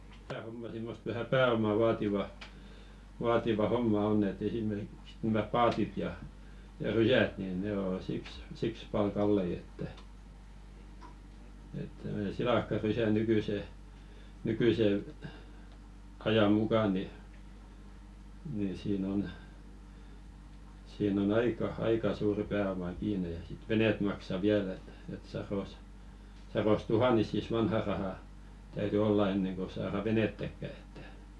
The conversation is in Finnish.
tämä homma semmoista vähän pääomaa - vaativa homma on että esimerkiksi nämä paatit ja ja rysät niin ne on siksi siksi paljon kalliita että että tuommoinen silakkarysä nykyisen nykyisen ajan mukaan niin niin siinä on siinä on aika aika suuri pääoma kiinni ja sitten veneet maksa vielä että että sadoissa sadoissa tuhansissa vanhaa rahaa täytyi olla ennen kuin saadaan venettäkään että